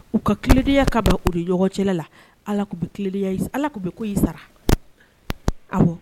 U ka kilediya ka ban u de ɲɔgɔncɛ la ala tun bɛleya ala tun bɛ ko i sara a